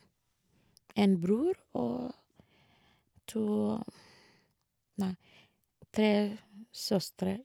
En bror og to nei tre søstre.